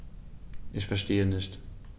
Ich verstehe nicht.